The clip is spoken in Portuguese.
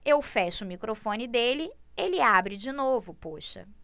eu fecho o microfone dele ele abre de novo poxa